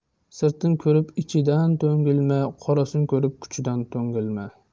sirtin ko'rib ichidan to'ngilma qorasin ko'rib kuchidan to'ngilma